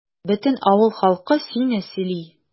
Бөтен авыл халкы сине сөйли.